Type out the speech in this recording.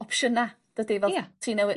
opsiyna dydi fel... Ia... ti'n newydd...